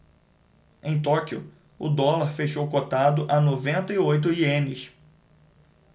em tóquio o dólar fechou cotado a noventa e oito ienes